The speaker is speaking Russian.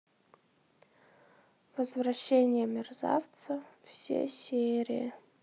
возвращение мерзавца все серии